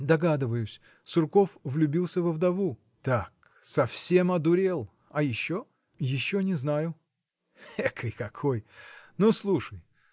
– Догадываюсь: Сурков влюбился во вдову. – Так: совсем одурел! а еще? – Еще. не знаю. – Экой какой! Ну, слушай